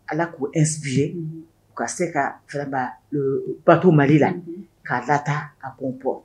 Ala k'u inspirer unhun u ka se kaa vraiment le bateau là unhun k'a lata à bond port